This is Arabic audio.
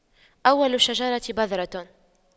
أول الشجرة بذرة